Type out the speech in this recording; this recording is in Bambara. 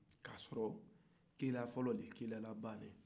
k'a sɔrɔ ciden fɔlɔ ni ciden laban de don